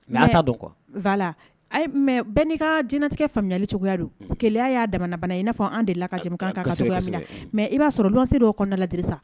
La mɛ bɛɛ n'i ka jinɛinɛtigɛkɛ faamuyali cogoyaya don keya y'a jamanabana i n' fɔ an de la ka kan mɛ i b'a sɔrɔ dɔgɔse' kɔnɔnada ladi sa